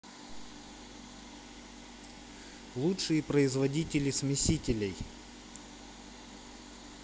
лучшие производители смесителей